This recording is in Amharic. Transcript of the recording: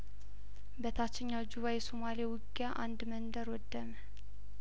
በታችኛው ጁባ የሶማሌ ውጊያ አንድ መንደር ወደመ